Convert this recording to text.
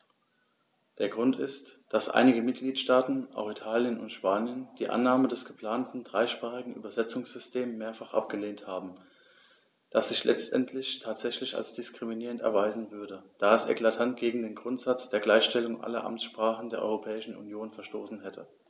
Der Grund ist, dass einige Mitgliedstaaten - auch Italien und Spanien - die Annahme des geplanten dreisprachigen Übersetzungssystems mehrfach abgelehnt haben, das sich letztendlich tatsächlich als diskriminierend erweisen würde, da es eklatant gegen den Grundsatz der Gleichstellung aller Amtssprachen der Europäischen Union verstoßen hätte.